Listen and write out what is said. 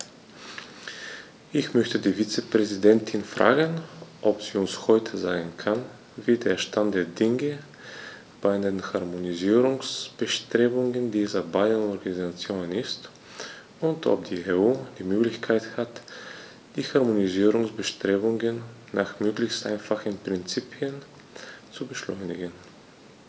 Ich möchte die Vizepräsidentin fragen, ob sie uns heute sagen kann, wie der Stand der Dinge bei den Harmonisierungsbestrebungen dieser beiden Organisationen ist, und ob die EU die Möglichkeit hat, die Harmonisierungsbestrebungen nach möglichst einfachen Prinzipien zu beschleunigen.